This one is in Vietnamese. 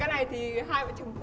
cái này thì hai vợ chồng